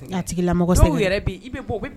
A tigilamɔgɔ segu yɛrɛ bi i bɛ